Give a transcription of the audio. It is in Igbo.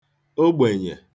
ogbènyè